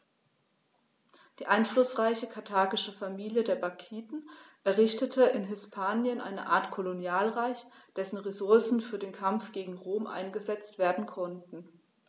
Die einflussreiche karthagische Familie der Barkiden errichtete in Hispanien eine Art Kolonialreich, dessen Ressourcen für den Kampf gegen Rom eingesetzt werden konnten.